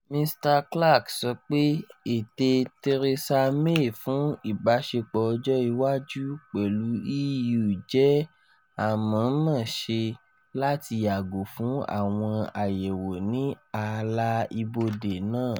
Mr Clark sọ pé ète Theresa May fún ìbáṣepọ̀ ọjọ́ iwájú pẹ̀lú EU jẹ́ “àmọ̀ǹmọ̀ṣe láti yàgò fún àwọn àyẹ́wò ní ààlà ìbodè náà.”